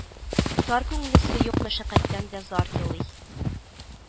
Тар күңеллесе юк мәшәкатьтән дә зар елый